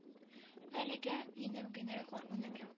Әлегә минем генә гармуным юк